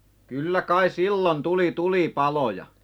kyllä kai silloin tuli tulipaloja